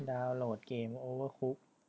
ดาวโหลดเกมโอเวอร์คุก